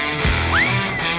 hai